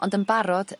ond yn barod